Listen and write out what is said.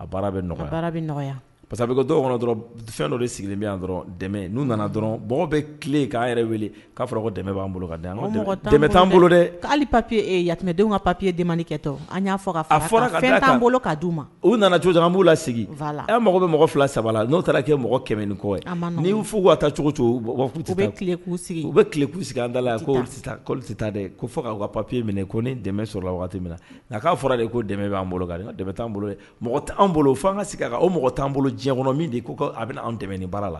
A baara bɛ nɔgɔya bɛ nɔgɔya pa kɔnɔ dɔrɔn fɛn dɔ de sigilen bɛ dɛ n'u nana dɔrɔn mɔgɔ bɛ tile k'an yɛrɛ wele k'a fɔra dɛ b'an bolo kaan bolo dɛ papiye yamɛdenw ka papiyemani kɛ tɔ an'a fɔ kaan bolo d di ma u nana b'u la sigi la mɔgɔ bɛ mɔgɔ fila saba la n'o taara kɛ mɔgɔ ni kɔ fo ka taa cogo cogo sigi u bɛ kuu sigi an da dɛ ko ka papiye minɛ ko ni dɛmɛ sɔrɔ min na k'a fɔra de ko dɛ b'an boloan bolo mɔgɔ t'an bolo fo ka sigi o mɔgɔ t'an bolo diɲɛ kɔnɔ min de a bɛ an dɛmɛ ni baara la